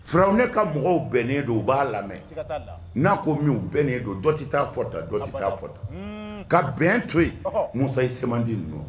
Fiarwuna ka mɔgɔw bɛnnen don u b'a lamɛn, siga t'a la, n'a ko min u bɛnnen don dɔ tɛ ta'a fɔ tan dɔ tɛ ta'a fɔ tan, ka bɛn to yen, Musa i se man di ninnu